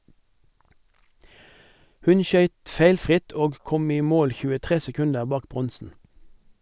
Hun skøyt feilfritt og kom i mål 23 sekunder bak bronsen.